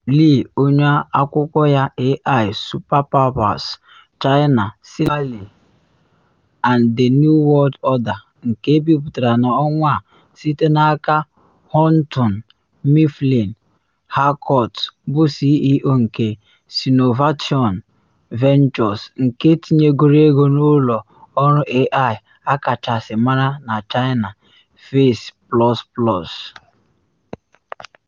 Lee, onye akwụkwọ ya “AI Superpowers: China, Silicon Valley and the New World Order” nke ebipụtara n’ọnwa a site n’aka Houghton Mifflin Harcourt, bụ CEO nke Sinovation Ventures, nke tinyegoro ego n’ụlọ ọrụ AI akachasị mara na China, Face++.